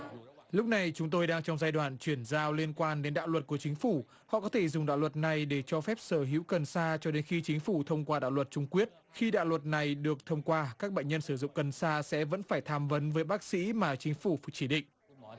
lúc này chúng tôi đang trong giai đoạn chuyển giao liên quan đến đạo luật của chính phủ họ có thể dùng đạo luật này để cho phép sở hữu cần sa cho đến khi chính phủ thông qua đạo luật trung quyết khi đạo luật này được thông qua các bệnh nhân sử dụng cần sa sẽ vẫn phải tham vấn với bác sĩ mà chính phủ phải chỉ định